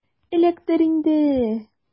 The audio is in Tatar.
Эләктер инде!